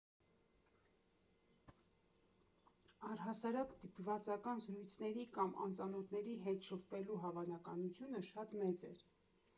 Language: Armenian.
Առհասարակ դիպվածական զրույցների կամ անծանոթների հետ շփվելու հավանականությունը շատ մեծ էր։